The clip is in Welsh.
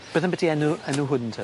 Beth ambyti enw enw hwn te?